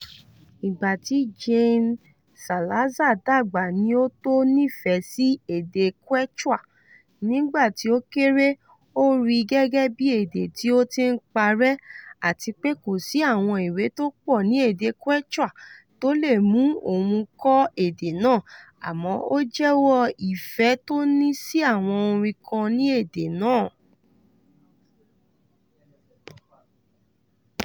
Ìgbà tí Jaime Salazar dàgbà ni ó tó nífẹ̀ẹ́ sí èdè Quechua: nígbà tí ó kéré, ó ríi gẹ́gẹ́ bí èdè tí ó ti ń parẹ́ àti pé kò sí àwọn ìwé tó pọ̀ ní èdè Quechua tó lè mú òun kò èdè náà, àmọ́ ó jẹ́wọ́ ìfẹ́ tó ní sí àwọn orin kàn ní èdè náà.